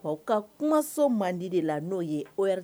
Ka kumaso mandendi de la n'o ye